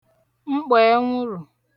mkpọ̀ẹnwụ̀rụ̀